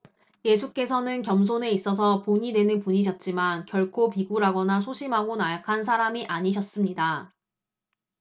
예수께서는 겸손에 있어서 본이 되는 분이셨지만 결코 비굴하거나 소심하고 나약한 사람이 아니셨습니다